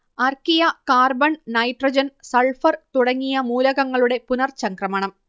archaea carbon nitrogen sulphur തുടങ്ങിയ മൂലകങ്ങളുടെ പുനർചംക്രമണം